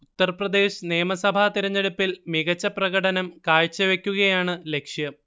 ഉത്തർപ്രദേശ് നിയമസഭാ തിരഞ്ഞെടുപ്പിൽ മികച്ച പ്രകടനം കാഴ്ചവെക്കുകയാണ് ലക്ഷ്യം